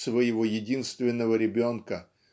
своего единственного ребенка